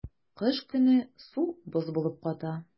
Кыш көне су боз булып ката.